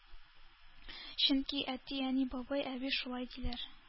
Чөнки әти, әни, бабай, әби шулай диләр.